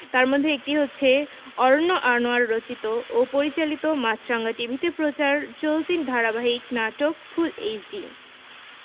তার মধ্যে একটি হচ্ছে অরন্য আনোয়ার রচিত ও পরিচালিত মাছরাঙা টিভিতে প্রচার চলতি ধারাবাহিক নাটক ফুল এইচডি